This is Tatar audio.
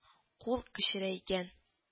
Кул кечерәйгән